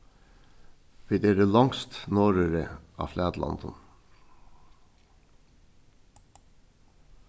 vit eru longst norðuri á flatlondum